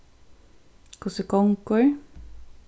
hvussu gongur